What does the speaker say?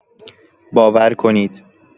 باور کنید